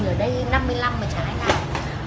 mình ở đây năm mươi lăm